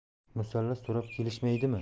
musallas so'rab kelishmaydimi